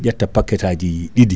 ƴetta paquet taji ɗiɗi